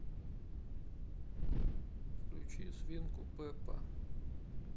включи свинку пеппа